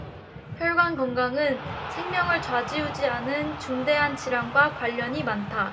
혈관 건강은 생명을 좌지우지하는 중대한 질환과 관련이 많다